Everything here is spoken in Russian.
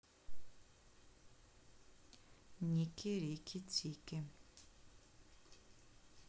ники рики тики